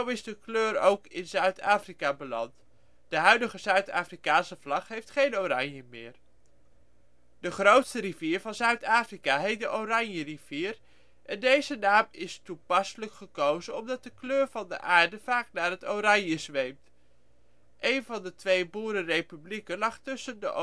is de kleur ook in Zuid-Afrika beland. De huidige Zuid-Afrikaanse vlag heeft geen oranje meer. De grootste rivier van het Zuid-Afrika heet de Oranjerivier en deze naam is toepasselijk gekozen omdat de kleur van de aarde vaak naar het oranje zweemt. Een van de twee Boerenrepublieken lag tussen de